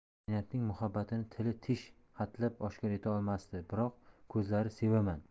zaynabning muhabbatini tili tish hatlab oshkor eta olmasdi biroq ko'zlari sevaman